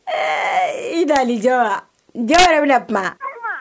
Ɛɛ i dali jɔn wa jɔn wɛrɛ bɛ na kuma Farima